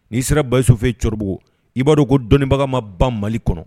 N'i sera basofɛ yen cɛkɔrɔbabugu i b'a dɔn ko dɔnniibagama ban mali kɔnɔ